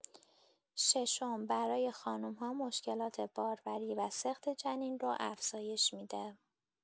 ششم، برای خانم‌ها مشکلات باروری و سقط‌جنین رو افزایش می‌ده.